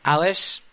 Alys?